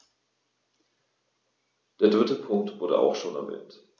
Der dritte Punkt wurde auch schon erwähnt.